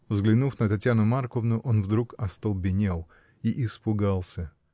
Взглянув на Татьяну Марковну, он вдруг остолбенел и испугался.